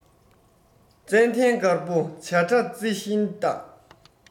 ཙནྡན དཀར པོ བྱ བྲ རྩི བཞིན བཏགས